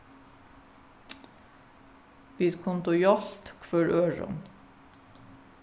vit kundu hjálpt hvør øðrum